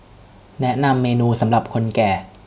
แนะนำเมนูสำหรับคนแก่